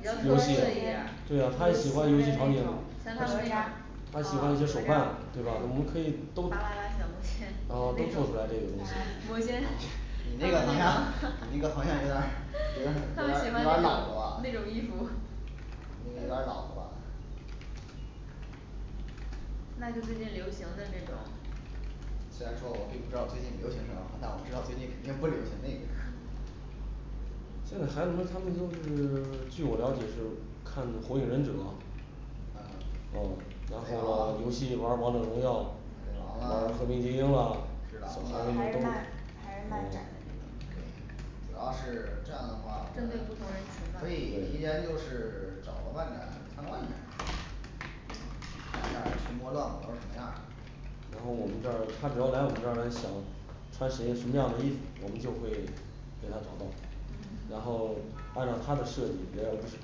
游殊戏一点儿对啊他也喜流欢游行戏场的景啊那种哪吒他喜欢一些手办对吧我们可以都巴啊啦啦小魔仙都那做种出来这个东 魔仙西你那那个好像你那个好像有点儿有点儿有点儿有点儿老了吧 种衣服 那个有点儿老了吧那就最近流行的这种虽然说我并不知道最近流行什么，但我知道最近肯定不流行那个现在孩子们他们都是 据我了解是看火影忍者，还哦然有海后游贼王戏玩儿王者荣耀玩儿和平海精贼英王啦啊还是漫嗯还是漫展的这种对主要是这样的话针对不同人群，可以提吧前就是 找个漫展参观一下看一下儿群魔乱舞都是什么样儿的然后我们这儿他只要来我这儿想穿谁什么样的衣服，我们就会给他找到然后按照他的设计，也不是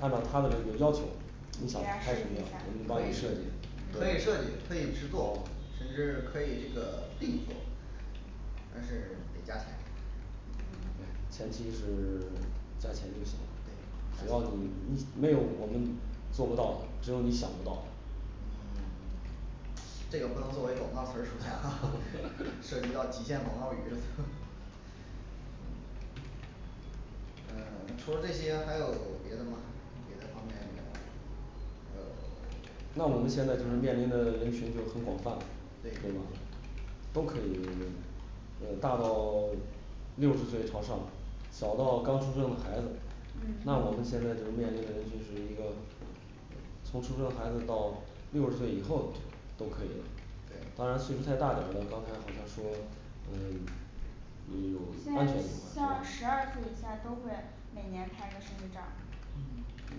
按照他的这个要求你你给想他设拍什计么样我们对帮可以一你下儿设设计对计可以制作甚至可以这个定做，但是得加钱嗯对前期是 赚钱就行了，对只价要你钱你没有我们做不到的，只有你想不到的这个不能作为广告词儿出现啊， 涉及到极限广告语儿 呃除了这些还有别的吗？别的方面的呃 那我们现在就是面临的人群就很广泛了，对吗对都可以用呃大到 六十岁朝上，小到刚出生的孩子，嗯那我们现在就面临的就是一个呃从出生孩子到六十岁以后都可以了，当对然岁数太大点儿的，刚才好像说嗯嗯有现在安全隐患像对吧十二岁一下都会每年拍个生日照儿这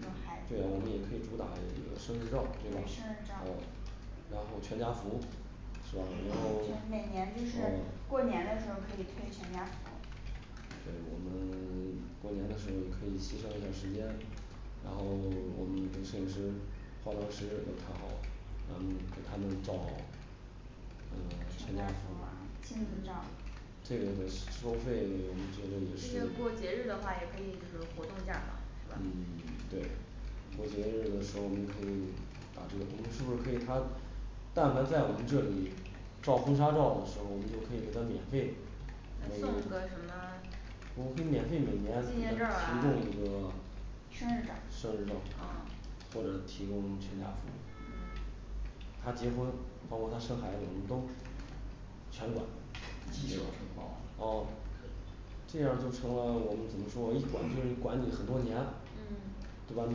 种孩子对对啊我们也可以主打的这这个生生日日照照儿对吧啊儿然后全家福是吧然后每年就是过啊年的时候儿可以推全家福对我们 过年的时候也可以牺牲一段儿时间然后我们跟摄影师化妆师都谈好然后给他们照嗯全家亲子福照儿儿这个的收费我们觉得也毕是竟过节日的话也可以就是活动价儿嘛是嗯吧 对过节日的时候儿我们可以把这个公我们是不是可以他但凡在我们这里照婚纱照的时候儿，我们就可以给他免费可以给他赠个什么我们可纪以免费每年提念照儿供一啊个生日照生日照儿儿或啊者提供全家福他结婚包括他生孩子我们都全管一手对吧承啊包可以这样就成了我们怎么说一管管你很多年嗯对吧？你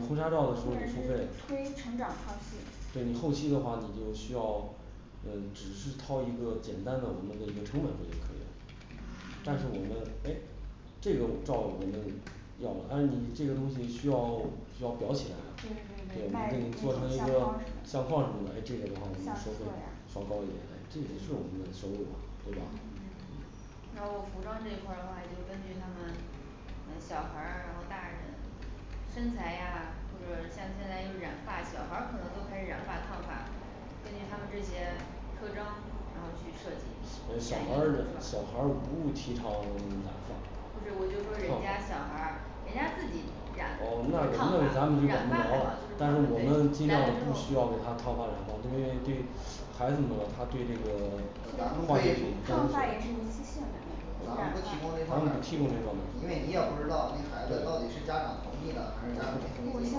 婚纱照或的时候你者付是费推成长套对系你后期的话你就需要呃只是掏一个简单的我们的成本费就可以了但是我们诶这个照我们要的啊你，这个东西需要需要裱对对对起来了对我买们可以做成一一些个相相框框儿儿什什么么的的诶这个的话我们，相册收费呀稍高一点嗯这也是我们的收入啊对吧那我服装这一块儿的话，就根据他们嗯小孩儿啊，然后大人身材呀或者像现在有染发，小孩儿可能都开始染发烫发根据他们这些特征，然后去设计呃小孩儿的小孩儿不提倡我给你染发不是我就说人烫家小孩儿发人家自己染烫哦那那发咱就染管不发着过了但是我嗯们尽对量不需要给他咱烫发染发因为对孩子们他对那个咱们可以咱们 呃咱们不烫发也是一次性的染发不提提供供这那种方面的因为你也不知道那孩对子到底是家长同意的还不现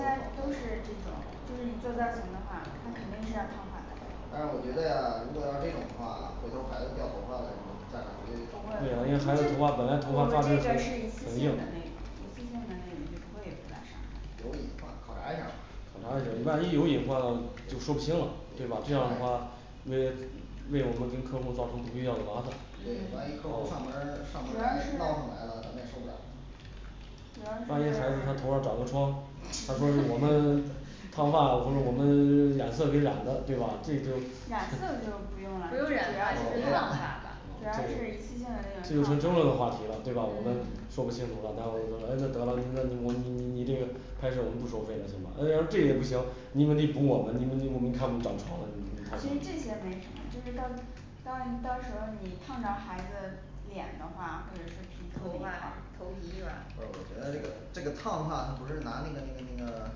在都是这种就是你做造型的话那肯定是要烫发的但是我觉得呀如果要是这种话，回头孩子掉头发的什么家长绝对不会对啊因因为我为这找孩子头发本来头发发质个很是一次很性硬的那种一次性的那种就不会有多大伤害有隐患考察一下儿吧考察一下儿，万一有隐患就说不清了，对吧？这样的话为为我们跟客户造成不必要的麻烦对，万一客户上门儿上门主儿闹腾要来了咱们也受是不了主要万一孩子他是 头上长个疮他说是我们烫发不是我们 染色给染的对吧？这就 啊染就是色就不不用了主要用染是烫发吧主要是一次性的这争那论的种烫话题发了对吧？我们说不清楚了，然后我们诶那得了那我们 你这个拍摄我们不收费了行吗？哎要这也不行，你们得补我们你你你们看我们找其实这些没什么就是到到你到时候儿你烫着孩子脸的话，或者是皮这头块儿发头皮是吧？哦我觉得这个这个烫发不是拿那个那个那个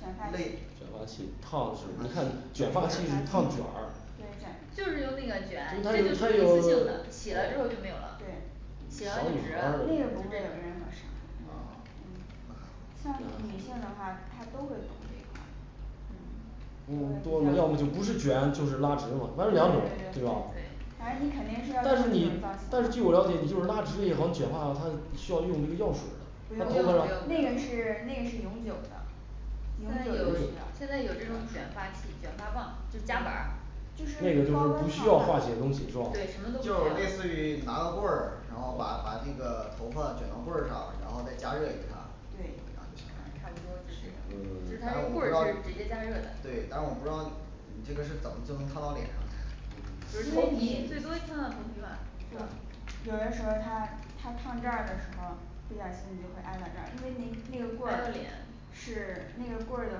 卷类卷发发器器烫的你看卷发器卷发器是烫卷儿就是用对卷那个因为他卷就是一有他有次性的洗了之后就没有哦了对洗小了就直女孩了不会那个不会有儿任何伤害嗯啊对像女性的话她都会懂这一块儿嗯嗯多了嘛，要么就不是卷就是拉直对对了嘛反正两种对吧对对反正你肯定是要做但是你但造是型的据我了解你就是拉直接也好，卷发它是需要用这个药水儿的不他用头发不那上用个是那个是永久的应永该久的有已经现在有这种卷发器，卷发棒就是夹板儿就是发那个根就是儿不上需要化解东西对什是吧么都不需就类似于要拿个棍儿，然后把把这个头发卷到棍儿上，然后再加热一下对然后就行差不多就是这就了是它但是这我不知棍道儿是直接对加但热的是我不知道你这个是怎么就能烫到脸上因为你最多烫到头皮对吧有的时候儿他他烫这儿的时候儿不小心你就会挨到这儿，因为你那个棍挨到儿脸是那个棍儿的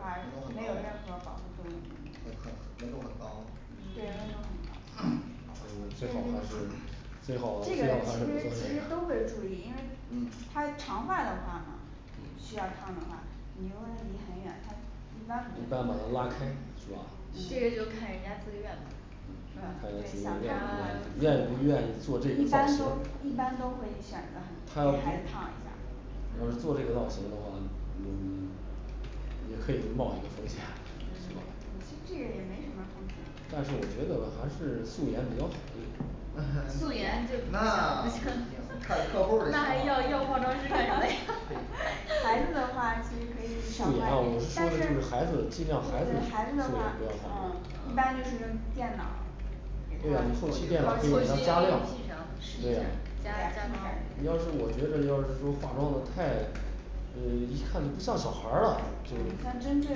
话度没有任何很保高护作用很很对温温度嗯度很很高其实高最好还吗是 这最个好其实最好还是不平时都使会注意因为他长发的话啊需要烫的话你如果他离很远他一一般般不把会他拉开是吧行这个就吧看人家自愿了对想烫的话就愿意不愿意做这个一造般都型儿一般都会选她择要不给孩子烫一下儿是做这个造型的话，嗯 也可以冒一个风险是吧其实这也没什么风险但是我觉得还是素颜比较好一点 儿，那素颜不素一颜就 那定看客户儿的想还要要化妆师法啊干什么呀孩子的话 其实可以少素颜啊化一我是点说但的是对是对孩孩子尽量孩子素颜子的话不要嗯化一妆般就是用电脑儿给对啊你后他期电脑儿可以给他加亮对啊你要是我觉得要是说化妆的太对一看就不像小孩儿嗯了就像真正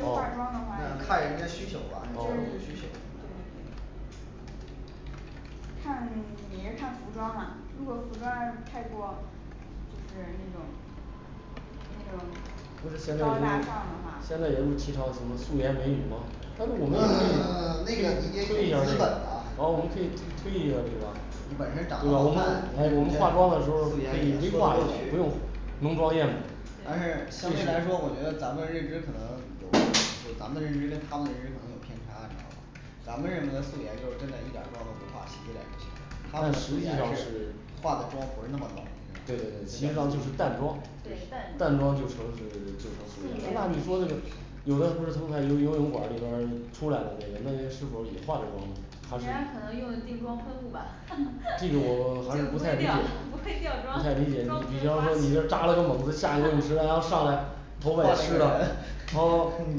化妆的话那看人家需求吧看对客户需求什么样的吧看 也是看服装嘛，如果服装太过就是那种那种高不是现大在都上的话现在也不提倡什么素颜美女吗但是我们啊啊我们可那个你以推得一下儿有资对吧本对吧啊你本身长得我好看你这们我们你这化妆的时候素颜可以也规说划一的下儿不用浓过妆去艳抹，但是对相对来说我觉得咱们认知可能有有就咱们认知跟他们认知可能有偏差你知道吗咱们认为的素颜就是真的一点儿妆都不画洗洗脸就行。他但们实际上是化的妆不是那么浓对对对对你实知际道吗上就是淡妆对淡淡妆妆就素说是颜美就说是那你说的有的人不是从太游，游泳馆儿里边儿出来的那是否也画着妆她人是家可能用的定妆喷雾吧 这个我还是不不太会理解掉不不会掉妆太理解你比方说你这扎了个猛子，下游泳池然后 上来换了一个人头发也湿了好你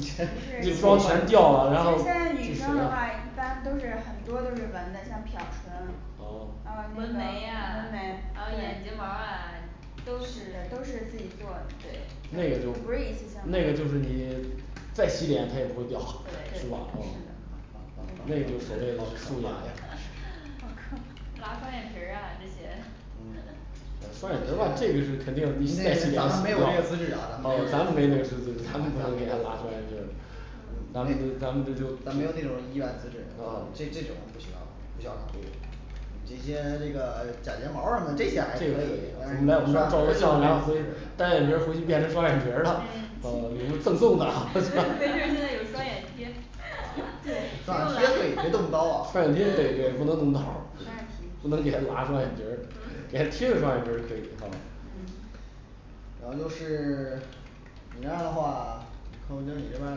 全你你这不妆也 掉了然后是女生的啊话一般都是很多都是纹的像漂唇啊然后那个纹纹眉眉啊然后对眼睫毛儿啊都都是是自己做的对那个就不是一次性的那个就是你再洗脸它也不会掉对是是吧啊那也就所谓的好可素怕颜 呀我 靠拉双眼皮儿啊这些 嗯呃双眼皮儿了这个是咱肯定这咱们们没没有有那这个个资资质质咱们咱们没没有那得个资质他咱们们出没来有给那个他拉资质嗯咱咱们们也就咱们这就是吧没有那种医院资质这这种不行不需要考虑这个可以来我们这照会相单眼皮儿回去变成双眼皮儿了。啊你们赠送的啊 双眼关键现在有双眼贴 双眼贴贴可对以不用别动动刀刀啊儿 不双能眼皮给他拉贴双眼皮儿给他贴个双眼皮儿可以啊然后就是你那样的话你客户经理这边儿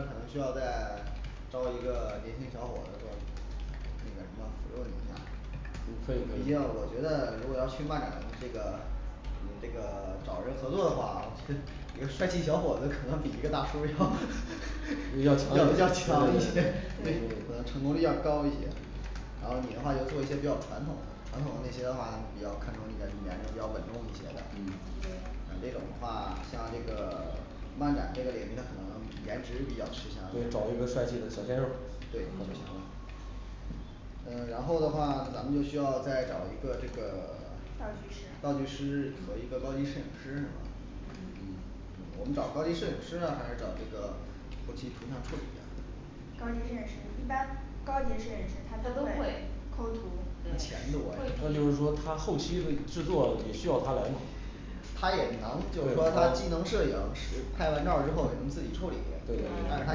可能需要在招一个年轻小伙子做那个什么不用你加嗯可以可毕以竟我觉得如果要去漫展这个嗯这个 找人合作的话我觉得 一个帅气小伙子可能比一个大叔要要 要要强强一一些对对些对，对可能成功率要高一些然后你的话就做一些比较传统的传统的，那些的话比较看重那个年龄比较稳重一些的嗯。像对这种的话像这个 漫展这个领域它可能颜值比较吃香，对对找一个帅气的小鲜肉儿那就行嗯然后的话咱们就需要再找一个这个 道具师道具师和一个高级摄影师是吧我嗯们嗯嗯找高级摄影师呢还是找这个后期图像处理呀高级摄影师一般高级摄影师他他都都会会抠图那对钱多那就呀是说他后期的制作也需要他来吗他也能就是说他既能摄影师拍完照儿之后也能自己处理，对对但是对他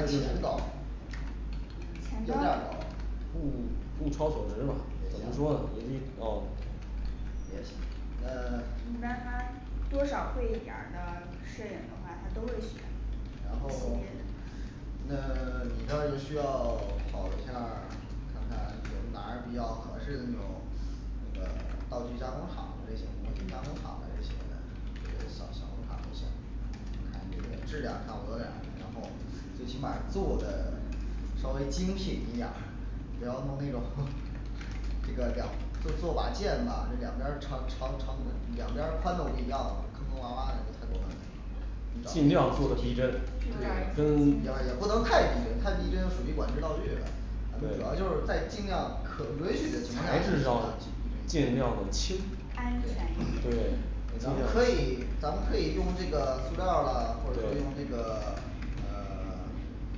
用钱高钱要价高儿高物物超所值嘛怎么也说，因行为哦也行那一般他多少会一点儿的摄影的话他都会选然一后些那 你这样就需要跑一下儿，看看有哪儿比较合适的那种那个道具加工厂的这些模具加工厂的这些的嗯小小工厂就行你看这个质量差不多点儿，然后最起码儿做的稍微精品一点儿，不要弄那种 给个两做做把剑吧那两边儿长长长两边儿宽度不一样，坑坑洼洼的太多了你找这尽边量做得逼真儿对我找一也不能太逼真太逼真就属于管制刀具了啊对主要就是在尽量可允许的情况下材质上的，尽量的轻安全一点对咱们可以咱们可以用这个塑料儿啊或者用这个呃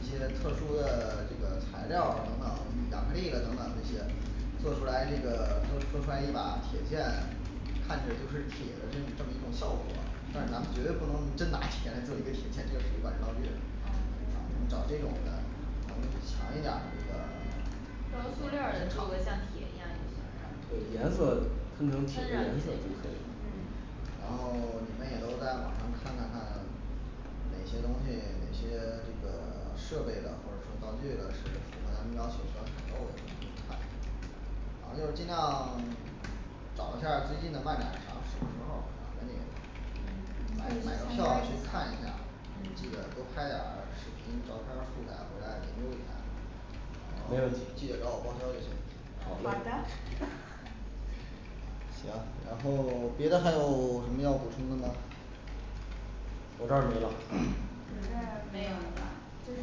一些特殊的这个材料儿等等雅克利等等这些做出来这个做做出来一把铁剑看着就是铁的这种这么一种效果但是咱们绝对不能真拿铁来做一个铁剑，这个属于管制刀具了啊嗯我们找这种的咱们强一点儿用这个 塑料儿的做个像铁一样就行是吧对颜色喷喷成上去铁的颜那种可色就可以以了然后你们也都在网上看看看哪些东西哪些这个 设备啦或者说道具啦是符合咱们要求需要采购看然后就是尽量 找一下儿最近的漫展，啥时候儿给嗯你买买个你可以票去去参看一观下记嗯得多拍点儿视频照片儿，后台回来研究一下没噢问记题得找我报销就行然后好给的 行，然后别的还有什么要补充的吗我这儿没了 我没这有儿了就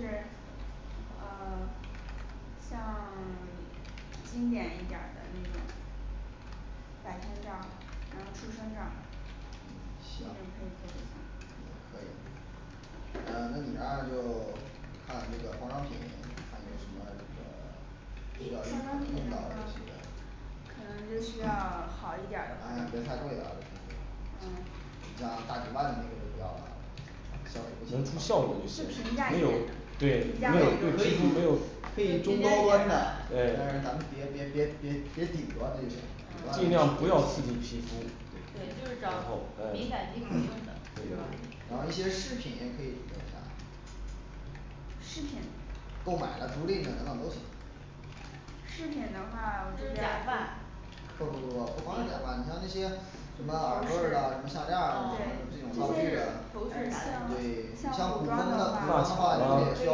是呃 像 经典一点儿的那种百天照儿然后出生证儿嗯这行种嗯可以做可以一下嗯那你那儿就看这个化妆品，还有什么这个 比需如化要用妆品的到话的一些可能就需 要啊好一别太贵点儿的啊别太贵吧就行，像大几万的那个就不要啦消能出效费果不就就行平价一没点有的起对没有几乎没有可以中高端的呃咱对们别别别底端的行了对尽量不要刺激皮肤对就是找敏感肌可用的对对吧然后一些饰品也可以准备一下饰品购买了租赁了等等都行饰品的话我就这是假边儿不发不不不不光是假发你想那些什么耳头坠饰儿噢啊项链儿啊这对种道具啊对头饰啊你像对像像古古装这装的些的古话装的头话饰你得啥需要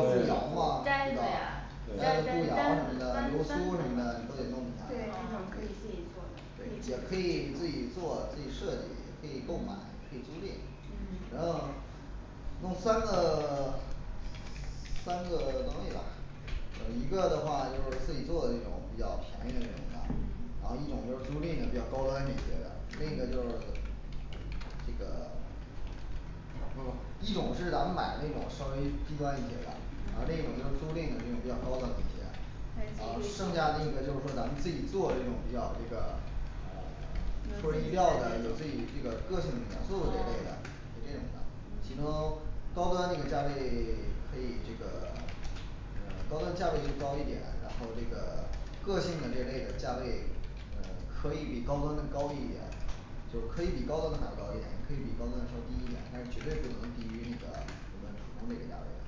吧什么的什么摘子啊毡毡毡子簪簪子的你啊都得弄一下儿对也可以自己做可以设计也可以购买也可以租赁嗯等等弄三个 三个租赁吧呃一个的话就是自己做的那种比较便宜那种的嗯，然后一种就是租赁的比较高端一些的，另一个就是嗯这个一较高种是咱们买那种稍微低端一些的然后另嗯一种租赁的这种比较高的那些可以然后自己剩下那个规就是定说咱们自己做这种比较这个呃 出人意料的有自己这个个性的元素这类的，就这种的其中高端这个价位可以这个呃高端价位就高一点，然后这个个性的这类的价位呃可以比高端的高一点，就可以比高端的还要高一点，可以比高端的稍微低一点，但是绝对不能低于那个我们普通的价位的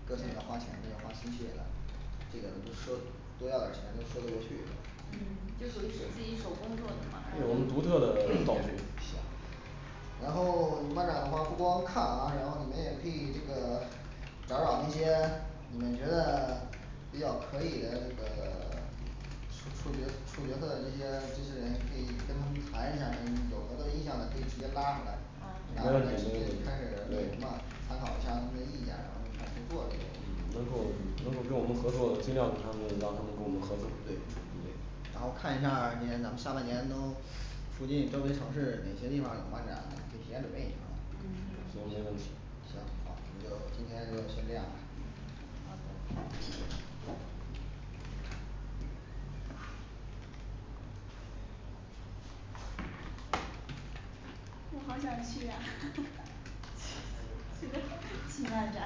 嗯个性要花钱都要花心血的，这个不是说多要点儿钱就说得过去的就属于手机一手工作的嘛对我们独特的道具行然后 漫展的话不光看啊，然后你们也可以这个找找那些你们觉得比较可以的这个 手触觉触觉的这些这些人可以跟他们谈一下儿，他们有合作意向的可以直接拉回来没问题没问题对，开始那什噢嗯么参考一下他们的意见然后开始做这个东西能够能够跟我们合作的尽量给他们让他们跟我们合作对对然后看一下儿今年咱们下半年都附近周围城市哪些地方儿有漫展，就提前准备一下嗯儿行没问行题行好，那就今天就先这样吧好的我好想去啊 去去哪漫展